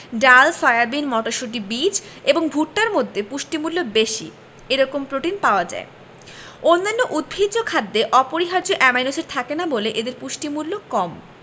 ডাল সয়াবিন মটরশুটি বীজ এবং ভুট্টার মধ্যে পুষ্টিমূল্য বেশি এরকম প্রোটিন পাওয়া যায় অন্যান্য উদ্ভিজ্জ খাদ্যে অপরিহার্য অ্যামাইনো এসিড থাকে না বলে এদের পুষ্টিমূল্য কম